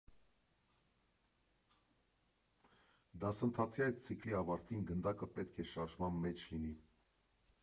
Դասընթացի այդ ցիկլի ավարտին գնդակը պետք է շարժման մեջ լինի։